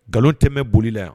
Nkalon tɛ mɛn boli la yan.